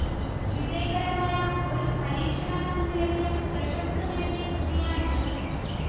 വിജയകരമായ ഒരു പരീക്ഷണമെന്ന നിലയ്ക്ക് പ്രശംസ നേടിയ കൃതിയാണിത്